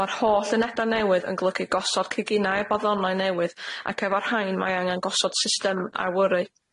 Mae'r holl uneda' newydd yn golygu gosod ciginau a boddonau newydd ac efo'r rhain mae angan gosod system awyru.